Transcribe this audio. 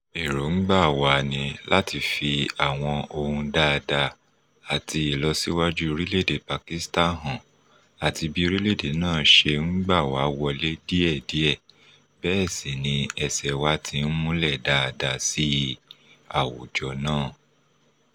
Èròńgbà wa ni láti fi àwọn ohun dáadáa àti ìlọsíwájú orílẹ̀ Pakistan hàn àti bí orílẹ̀-èdè náà ṣe ń gbà wá wọlé díẹ̀díẹ̀ bẹ́ẹ̀ sí ni ẹsẹ̀ wa ti ń múlẹ̀ dáadáa sí i àwùjọ náà.